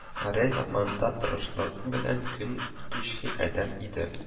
Гәрәй заманында тырышлык белән көн итүче адәм иде